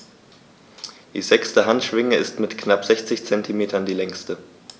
Die sechste Handschwinge ist mit knapp 60 cm die längste.